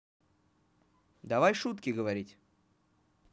давай шутки говорить